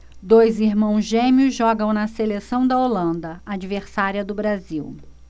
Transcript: dois irmãos gêmeos jogam na seleção da holanda adversária do brasil